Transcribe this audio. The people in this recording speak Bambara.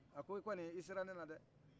a ko i kɔni i sera ne la dɛh